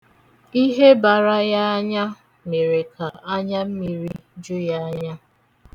Ihe bara ya anya mere ka anyammiri ju ya anya.